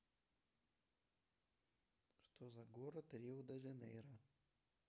что за город рио де жанейро